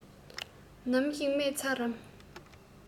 ནམ ཞིག རྨས ཚར རམ